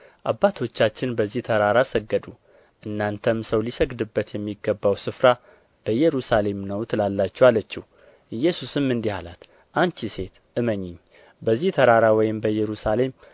አባቶቻችን በዚህ ተራራ ሰገዱ እናንተም ሰው ሊሰግድበት የሚገባው ስፍራ በኢየሩሳሌም ነው ትላላችሁ አለችው ኢየሱስም እንዲህ አላት አንቺ ሴት እመኚኝ በዚህ ተራራ ወይም በኢየሩሳሌም